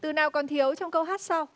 từ nào còn thiếu trong câu hát sau